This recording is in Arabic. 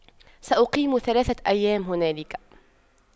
سأقيم ثلاثة أيام هنالك